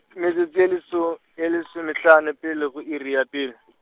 metsotso e leso, e lesomehlano pele go iri ya pele .